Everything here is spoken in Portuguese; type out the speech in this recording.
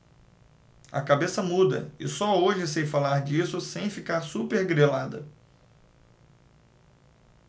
a cabeça muda e só hoje sei falar disso sem ficar supergrilada